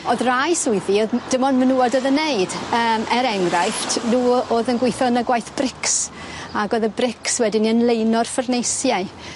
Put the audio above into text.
O'dd rai swyddi o'dd n- dim on' menywod o'dd yn neud yym er enghraifft nw o- o'dd yn gweitho yn y gwaith brics ag o'dd y brics wedyn yn leino'r ffyrneisiau.